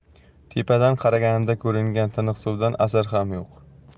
tepadan qaraganida ko'ringan tiniq suvdan asar ham yo'q